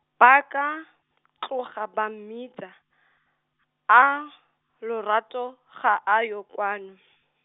ba ka , tloga ba mmitsa , a, Lorato, ga a yo kwano?